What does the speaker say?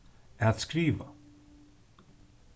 at skriva